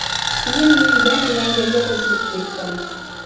keyin men yana yangamga qo'shilib ketdim